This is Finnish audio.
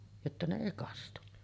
jotta ne ei kastui